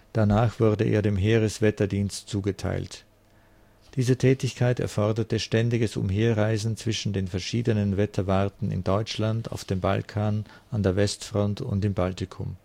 Danach wurde er dem Heereswetterdienst zugeteilt. Diese Tätigkeit erforderte ständiges Umherreisen zwischen den verschiedenen Wetterwarten in Deutschland, auf dem Balkan, an der Westfront und im Baltikum